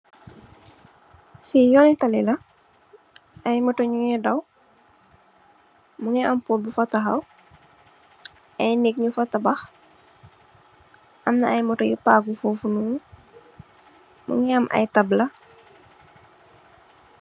Fee yoone tali la aye motou nuge daw muge am pott bufa tahaw aye neet nufa tabax amna aye motou yu pagou fofunonu muge am aye tabla.